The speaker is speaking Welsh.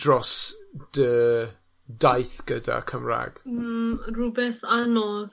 dros dy daith gyda Cymrag? Hmm, rwbeth anodd,